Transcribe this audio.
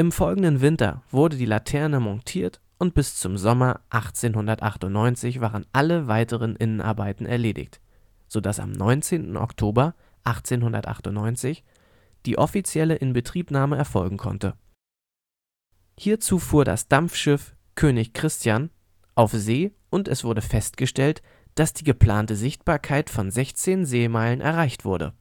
folgenden Winter wurde die Laterne montiert und bis zum Sommer 1898 waren alle weiteren Innenarbeiten erledigt, so dass am 19. Oktober 1898 die offizielle Inbetriebnahme erfolgen konnte. Hierzu fuhr das Dampfschiff „ König Christian “auf See und es wurde festgestellt, dass die geplante Sichtbarkeit von 16 Seemeilen erreicht wurde